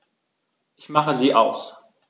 Ich mache sie aus.